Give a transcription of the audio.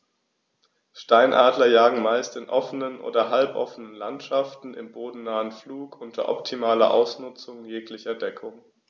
Steinadler jagen meist in offenen oder halboffenen Landschaften im bodennahen Flug unter optimaler Ausnutzung jeglicher Deckung.